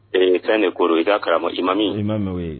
Ee fɛn de ko i ka karama i mami